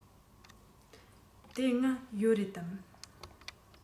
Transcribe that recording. དེ སྔ ཡོད རེད དམ